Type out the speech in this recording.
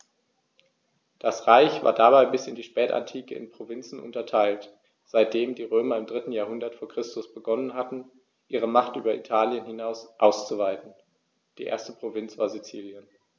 Das Reich war dabei bis in die Spätantike in Provinzen unterteilt, seitdem die Römer im 3. Jahrhundert vor Christus begonnen hatten, ihre Macht über Italien hinaus auszuweiten (die erste Provinz war Sizilien).